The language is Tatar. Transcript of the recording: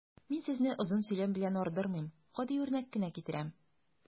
Мин сезне озын сөйләм белән ардырмыйм, гади үрнәк кенә китерәм.